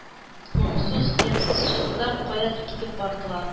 Моңсыз, ямьсез шыгырдап, каядыр китеп бардылар,